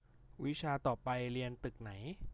วิชาต่อไปเรียนตึกไหน